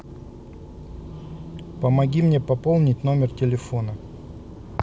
помоги мне пополнить номер телефона